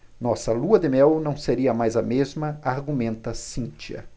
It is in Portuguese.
nossa lua-de-mel não seria mais a mesma argumenta cíntia